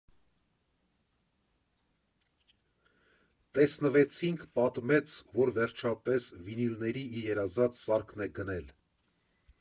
Տեսնվեցինք, պատմեց, որ վերջապես վինիլների իր երազած սարքն է գնել։